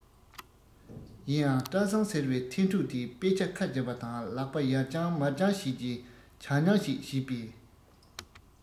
ཡིན ཡང བཀྲ བཟང ཟེར བའི ཐན ཕྲུག དེས དཔེ ཆ ཁ བརྒྱབ པ དང ལག པ ཡར བརྐྱངས མར བརྐྱངས བྱེད ཀྱིན བྱ རྨྱང ཞིག བྱེད པས